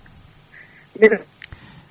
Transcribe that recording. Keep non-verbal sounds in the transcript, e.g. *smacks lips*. *laughs* *smacks lips*